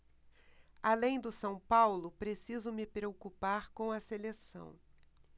além do são paulo preciso me preocupar com a seleção